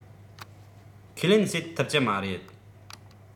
ཁས ལེན བྱེད ཐུབ ཀྱི མ རེད